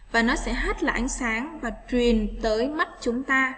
bài hát là ánh sáng và truyền tới mắt chúng ta